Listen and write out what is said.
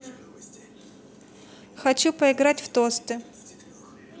хочу поиграть в тосты